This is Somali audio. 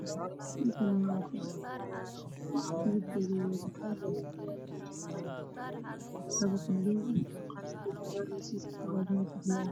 Waa dabaq dheer oo madow iyo guryo kale iyo geedo